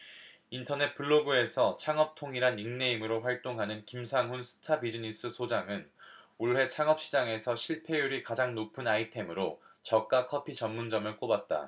인터넷 블로그에서창업통이란 닉네임으로 활동하는 김상훈 스타트비즈니스 소장은 올해 창업시장에서 실패율이 가장 높은 아이템으로 저가 커피 전문점을 꼽았다